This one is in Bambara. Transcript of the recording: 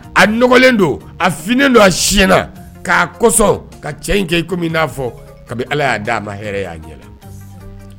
A nɔgɔlen don a fini don a na k'a kɔsɔn ka cɛ in kɛ i na fɔ ka ala y' d di a ma' ɲɛ